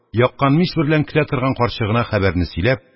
Яккан мич берлән көтә торган карчыгына хәбәрне сөйләп,